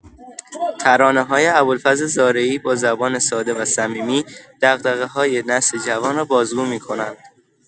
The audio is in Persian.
ترانه‌های ابوالفضل زارعی با زبانی ساده و صمیمی، دغدغه‌های نسل جوان را بازگو می‌کنند.